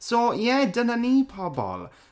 so ie , dyna ni pobl.